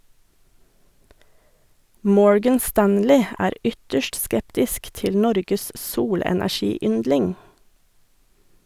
Morgan Stanley er ytterst skeptisk til Norges solenergiyndling.